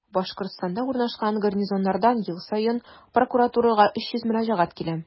Башкортстанда урнашкан гарнизоннардан ел саен прокуратурага 300 мөрәҗәгать килә.